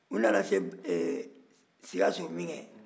u nana se ɛɛ sikaso min kɛ